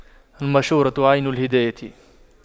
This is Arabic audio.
المشورة عين الهداية